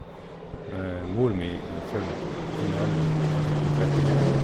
Mor mi er født i Narvik i nitten trettien.